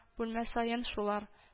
Бүлмә саен шулар…